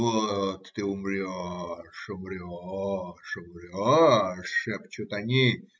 "Вот ты умрешь, умрешь, умрешь!" - шепчут они.